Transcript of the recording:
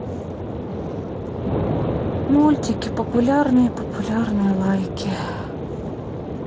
мультики популярные популярные лайки